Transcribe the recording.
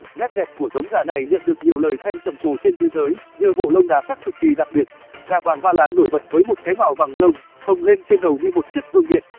nét đẹp của giống gà này nhận được nhiều lời khen trầm trồ trên thế giới nhờ bộ lông đa sắc cực kỳ đặc biệt gà vàng ba lan nổi bật với một cái mào bằng lông phồng lên trên đầu như một chiếc vương miện